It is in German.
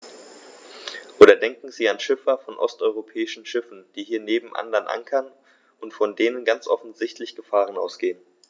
Oder denken Sie an Schiffer von osteuropäischen Schiffen, die hier neben anderen ankern und von denen ganz offensichtlich Gefahren ausgehen.